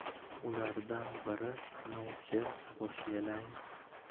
ulardan biri novcha boshyalang